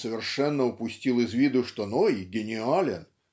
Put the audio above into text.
и совершенно упустил из виду что Ной гениален